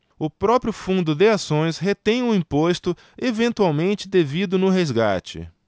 o próprio fundo de ações retém o imposto eventualmente devido no resgate